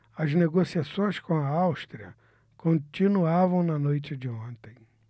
as negociações com a áustria continuavam na noite de ontem